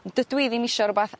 On' dydw i ddim isio rwbath